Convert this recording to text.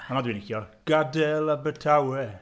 Honna dwi'n licio, gadael Abertawe.